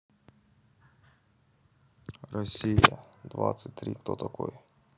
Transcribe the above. россия двадцать три кто такой